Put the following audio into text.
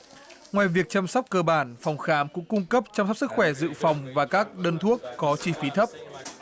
ngoài việc chăm sóc cơ bản phòng khám cũng cung cấp chăm sóc sức khỏe dự phòng và các đơn thuốc có chi phí thấp